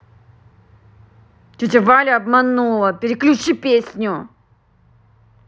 тебя валя обманула переключи песню